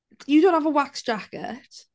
You don't have a wax jacket?